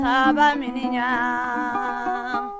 sabaminiyan